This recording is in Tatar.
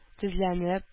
Тезләнеп